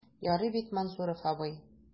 Ярый бит, Мансуров абый?